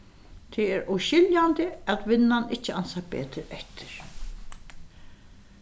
tað er óskiljandi at vinnan ikki ansar betur eftir